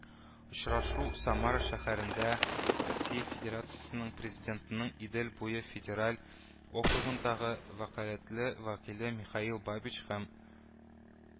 Очрашу Самара шәһәрендә Россия Федерациясенең Президентының Идел буе федераль округындагы вәкаләтле вәкиле Михаил Бабич һәм